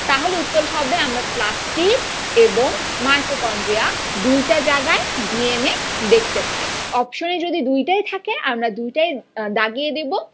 তাহলে উত্তর হবে আমরা প্লাস্টিড এবং মাইটোকনড্রিয়া দুইটা জায়গায় ডিএনএ দেখতে পাই অপশনে যদি দুইটাই থাকে আমরা দুইটাই দাগিয়ে দিব